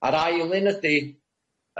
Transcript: A'r ail un ydi,